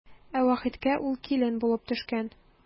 Ә Вахитка ул килен булып төшкән.